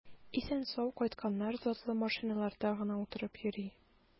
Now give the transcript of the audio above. Исән-сау кайтканнар затлы машиналарда гына утырып йөри.